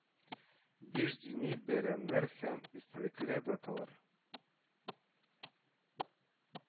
Биш дини бәйрәмнәр һәм истәлекле даталар